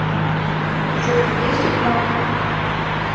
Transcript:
джой где сигнал